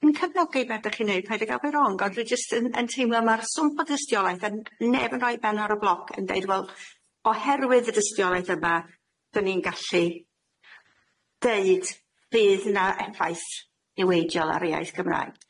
Yn cyfnogi be' dych chi'n neud paid a ga'l fi'n rong ond dwi jyst yn yn teimlo ma'r swmp o dystiolaeth yn neb yn roi ben ar y bloc yn deud wel oherwydd y dystiolaeth yma da ni'n gallu deud fydd na effaith niweidiol ar iaith Cymraeg.